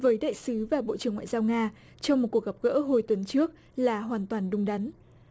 với đại sứ và bộ trưởng ngoại giao nga cho một cuộc gặp gỡ hồi tuần trước là hoàn toàn đúng đắn